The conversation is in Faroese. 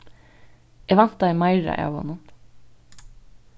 eg væntaði meira av honum